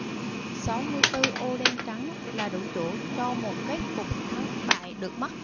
sáu mươi tư ô đen trắng là đủ chỗ cho một kết cục thắng bại được mất